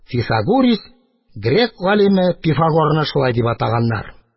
Фисагурис: грек галиме Пифагорны шулай атаганнар